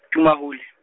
Tumahole.